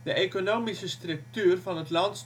economische structuur van het land